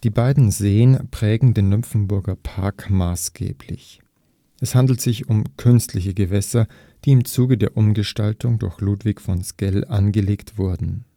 beiden Seen prägen den Nymphenburger Park maßgeblich. Es handelt sich um künstliche Gewässer, die im Zuge der Umgestaltung durch Ludwig von Sckell angelegt wurden